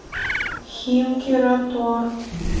химки ротор